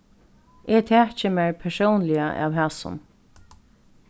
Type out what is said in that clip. eg taki mær persónliga av hasum